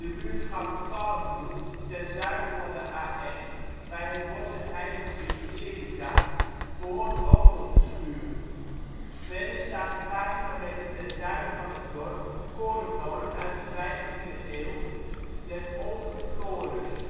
buurtschap Kallenbroek ten zuiden van de A1, bij het bos - en heidegebied Erica, behoort ook tot Terschuur. Verder staat een paar kilometer ten zuiden van het dorp een korenmolen uit de 15e eeuw, " Den Olden Florus